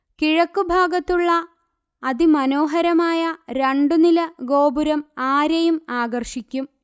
കിഴക്കുഭാഗത്തുള്ള അതിമനോഹരമായ രണ്ടുനില ഗോപുരം ആരെയും ആകർഷിയ്ക്കും